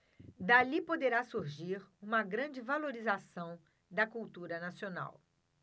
dali poderá surgir uma grande valorização da cultura nacional